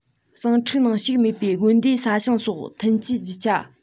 ཟིང འཁྲུག ནང ཞུགས མེད པའི དགོན སྡེའི ས ཞིང སོགས ཐོན སྐྱེད རྒྱུ ཆ